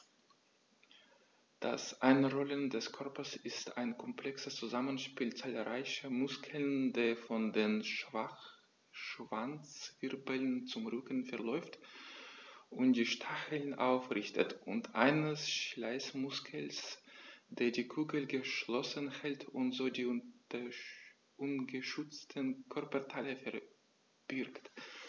Das Einrollen des Körpers ist ein komplexes Zusammenspiel zahlreicher Muskeln, der von den Schwanzwirbeln zum Rücken verläuft und die Stacheln aufrichtet, und eines Schließmuskels, der die Kugel geschlossen hält und so die ungeschützten Körperteile verbirgt.